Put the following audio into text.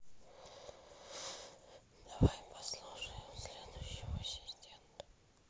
давай послушаем следующего ассистента